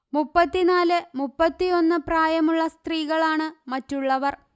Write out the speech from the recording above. മുപ്പത്തിനാൽ മുപ്പത്തിയൊന്ന് പ്രായമുള്ള സ്ത്രീകളാണ് മറ്റുള്ളവർ